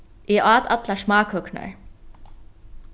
eg át allar smákøkurnar